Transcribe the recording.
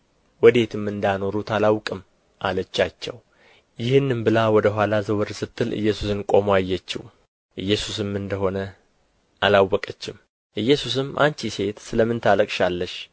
ወዴትም እንዳኖሩት አላውቅም አለቻቸው ይህንም ብላ ወደ ኋላ ዘወር ስትል ኢየሱስን ቆሞ አየችው ኢየሱስም እንደ ሆነ አላወቀችም ኢየሱስም አንቺ ሴት ስለ ምን ታለቅሻለሽ